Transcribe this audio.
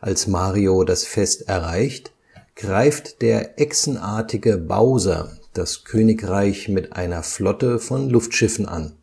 Als Mario das Fest erreicht, greift der echsenartige Bowser das Königreich mit einer Flotte von Luftschiffen an